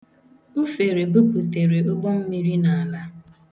Ufere bubutere ụgbọmmiri n'ala.